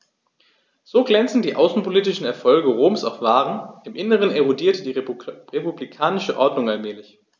So glänzend die außenpolitischen Erfolge Roms auch waren: Im Inneren erodierte die republikanische Ordnung allmählich.